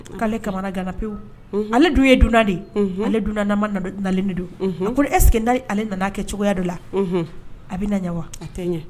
'ale kamana gana pewu ale dun ye dun de ale dunma na de don ko eda ale nana kɛ cogoya dɔ la a bɛ na wa